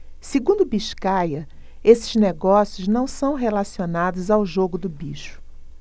segundo biscaia esses negócios não são relacionados ao jogo do bicho